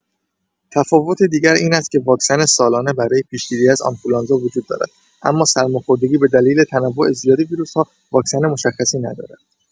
تفاوت دیگر این است که واکسن سالانه برای پیش‌گیری از آنفولانزا وجود دارد اما سرماخوردگی به دلیل تنوع زیاد ویروس‌ها واکسن مشخصی ندارد.